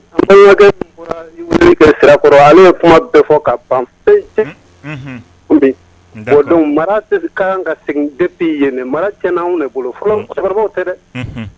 Ale ye kuma bɛ fɔ ka ban o don mara ka kan ka segin ye nin mara cɛ bolo fɔlɔ cɛkɔrɔba tɛ dɛ